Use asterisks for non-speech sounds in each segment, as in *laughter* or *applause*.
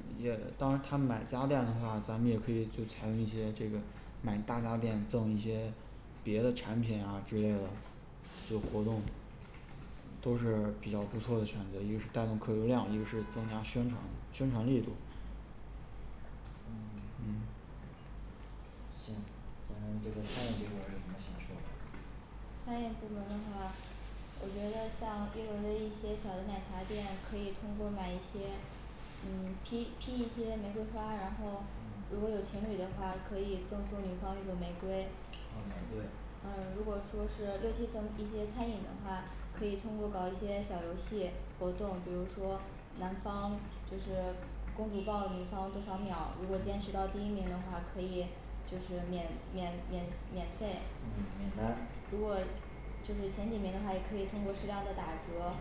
也当然他们买家电的话，咱们也可以就采用一些这个买大家电赠一些别的产品啊之类的有活动都是比较不错的选择一个是带动客流量，一个是增强宣传宣传力度嗯嗯行咱这个餐饮这边儿有什么想说的吗餐饮部门儿的话我觉得像一楼的一些小的奶茶店，可以通过买一些嗯批批一些玫瑰花儿然后如果有嗯情侣的话，可以赠送女方一朵玫瑰嗯对呃如果说是六七层这些餐饮的话，可以通过搞一些小游戏活动，比如说男方就是公主抱女方多少秒，如果坚持到第一名嗯的话可以就是免免免免费嗯免单如果就是前几名的话也可以通过适量的打折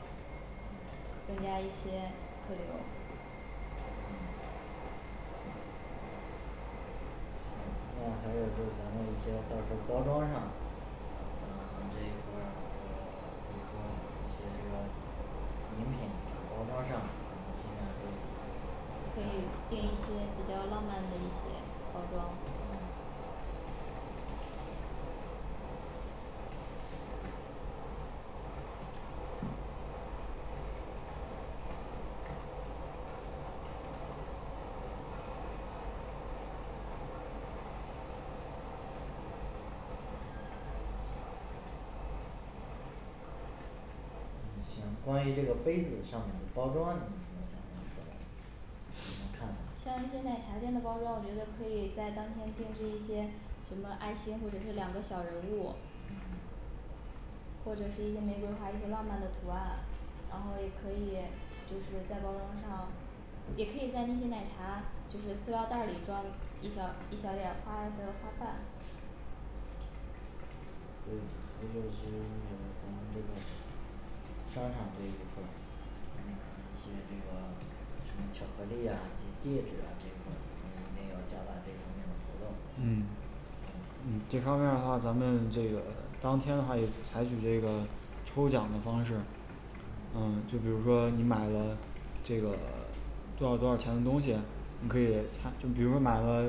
增加一些客流儿嗯行那还有就是咱们一些到时候儿包装上呃这一块儿这个比如说一些这个饮品包装上可以定一些比咱咱较浪漫的一些包装嗯嗯行关于这个杯子上面的包装你有什么想要说的吗你们看像呢一些茶店的包装，我觉得可以在当天定制一些什么爱心或者是两个小人物嗯或者是一些玫瑰花一些浪漫的图案然后也可以就是在包装上，也可以在那些奶茶就是塑料袋儿里装一小一小点儿花的花瓣对还有就是咱们这个商 *unintelligible* 商场这一块儿嗯一些这个什么巧克力呀一些戒指呀这一块儿咱们一定要加大这方面的活动嗯嗯这方面儿的话咱们这个当天的话也采取这个抽奖的方式嗯嗯就比如说你买了这个多少多少钱的东西你可以参就比如说买了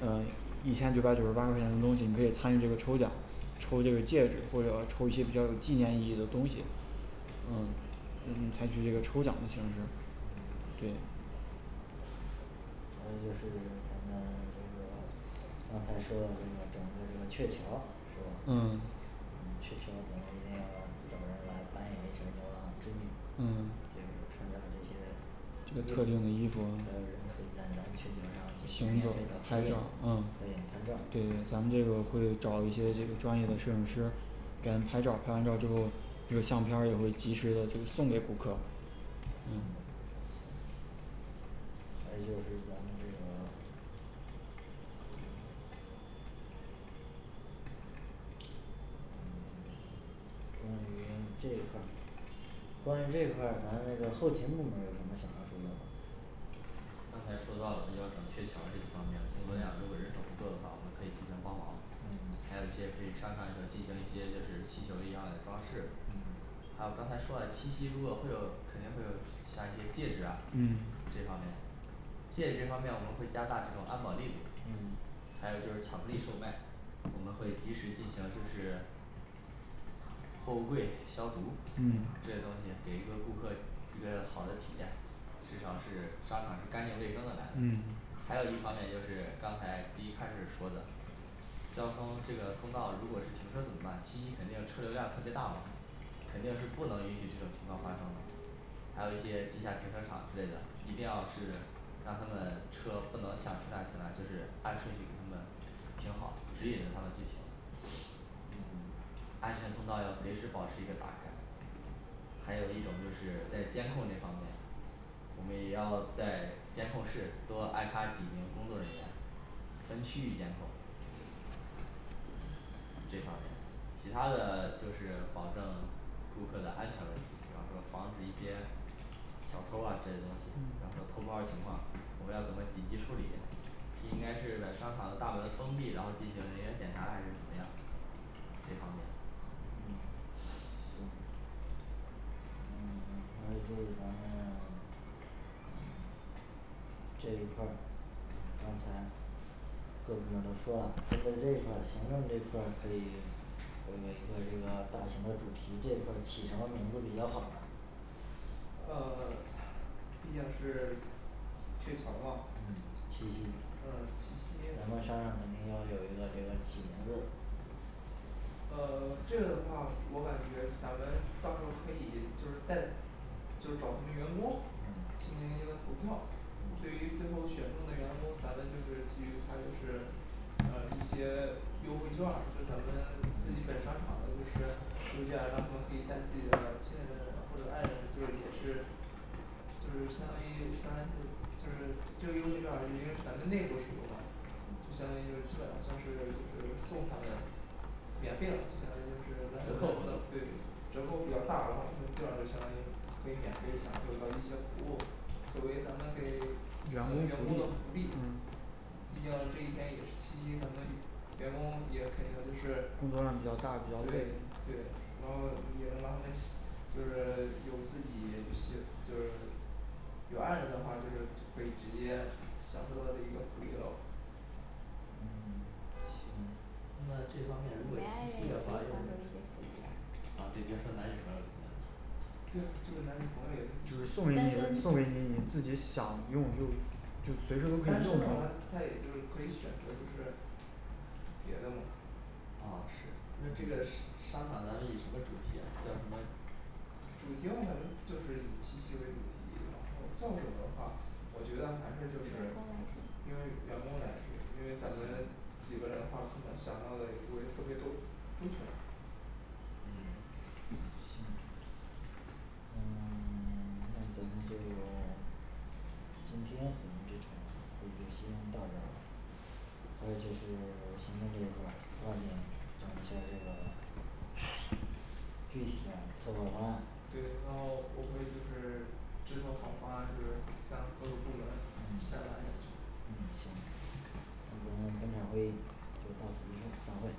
啊一千九百九十八块钱的东西你可以参与这个抽奖抽这个戒指或者抽一些比较有纪念意义的东西嗯就是采取一个抽奖的形式对嗯刚才说到这个整一个这个鹊桥是吧嗯我们鹊桥咱们一定要要找人来扮演一下儿牛郎织女嗯得让他们穿上这些这个衣特定服的衣还服有人可以在咱鹊桥，儿上行走进行，拍免照费儿，的啊合影，合对对影拍咱们这照个儿会找一些这个专业的摄影师给他们拍照儿拍完照儿之后这个相片儿也会及时的这个送给顾客嗯还有就是咱们这个嗯嗯关于这一块儿关于这一块儿咱那个后勤部门儿有什么想要说的吗刚才说到了要整鹊桥儿这一方面，工作量如果人手儿不够的话，我们可以进行帮忙。还嗯有一些可以商场里头进行一些就是气球一样嘞装饰嗯还有刚才说了七夕如果会有肯定会有像一些戒指啊嗯这方面戒指这方面我们会加大这种安保力度嗯还有就是巧克力售卖我们会及时进行就是货物柜消毒，这些嗯东西给一个顾客一个好的体验至少是商场是干净卫生的来嗯的还有一方面就是刚才第一开始说的交通这个通道如果是停车怎么办七夕肯定车流量特别大嘛肯定是不能允许这种情况发生的还有一些地下停车场之类的，一定要是让他们车不能想停哪儿停哪儿，就是按顺序给他们停好指引着他们去停 *crosstalk* 嗯安全通道要随时保持一个打开。还有一种就是在监控这方面我们也要在监控室多安插几名工作人员分区域监控这方面其它的就是保证顾客的安全问题，比方说防止一些小偷儿啊这些东西，比方说偷嗯包儿情况，我们要怎么紧急处理是应该是在商场的大门封闭，然后进行人员检查还是怎么样这方面嗯 *crosstalk* 行嗯 *silence* 看来就是咱们这一块儿刚才各部门儿都说了针对这一块儿行政这一块儿可以我们做一个大型的主题，这一块儿起什么名字比较好呢？啊 *silence* 毕竟是鹊桥儿嘛嗯七夕嗯七咱们商夕场可能要有一个这个起名字啊 *silence* 这个的话我感觉咱们到时候儿可以就是带就是找咱们员工嗯进行一个投票对于嗯最后选中的员工咱们就是给予他就是嗯一些优惠劵儿，就是咱们自己本商场的就是收劵让他们可以带自己的亲人或者爱人就是也是就是相当于相当于是就是这个优惠劵儿就因为是咱们内部使用嘛就相当于就嗯是基本上算是就是送他们免费了相当于就是折扣活动对折扣比较大然后他们相当于可以免费享受到一些服务作为咱们给员咱们工员工的福福利利嗯嗯毕竟这一天也是七夕咱们员工也肯定就工是作量比较大比较累对对然后也能让他们享 *unintelligible* 就是有自己七夕就是有爱人的话，就是可以直接享受到这一个福利了嗯 *silence* 行那这方面没爱人也可以享受如果七夕的话一些福利呀啊对比方说男女朋友之间的对啊就是男女朋友就是也是，送给你单送给身你你自己想用就就单随时都可以用身的的话那他种也就是可以选择就是别的嘛啊是那这个商 *unintelligible* 商场咱们以什么主题啊叫什么主题的话咱们就是以七夕为主题，然后叫什么的话我觉得还员工来是就是因定为员工来定因为咱们行几个人的话可能想到的也不会特别周周全嗯行嗯 *silence* 那咱们就 *silence* 今天咱们这场会就先到这儿吧还有就是 *silence* 行政这一块儿抓紧整一下儿这个具体的策划方案对，然后我会就是制作好方案，就是向各个部门下达下去嗯嗯行那咱们本场会议就到此结束散会